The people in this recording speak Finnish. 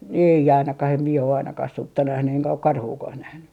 ei ainakaan en minä ole ainakaan sutta nähnyt enkä ole karhuakaan nähnyt